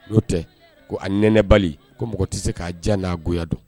N'o tɛ ko a nɛnɛbali ko mɔgɔ tɛ se k'a jan n'agodɔn